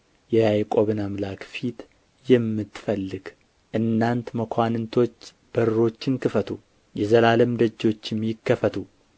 የያዕቆብን አምላክ ፊት የምትፈልግ እናንት መኳንንቶች በሮችን ክፈቱ የዘላለም ደጆችም ይከፈቱ